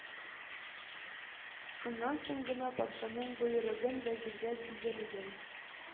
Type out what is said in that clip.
Шуннан соң гына патшаның боерыгын вәзиргә белдергән.